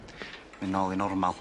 Myn' nôl i normal.